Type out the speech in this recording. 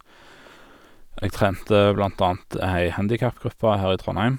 Jeg trente blant annet ei handikap-gruppe her i Trondheim.